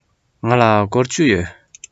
ང ལ སྒོར བཅུ ཡོད